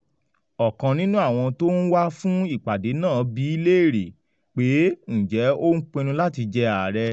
Ọ̀kan nínú àwọn tó ń wà fún ìpàdé náà bíi léèrè pé ǹjẹ́ ó ń pinnu láti jẹ ààrẹ?